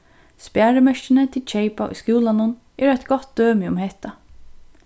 sparimerkini tit keypa í skúlanum eru eitt gott dømi um hetta